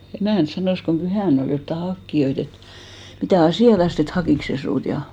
emäntä sanoi kun pyhänä oli jotakin hakijoita että mitä asiaa että hakikos se sinua ja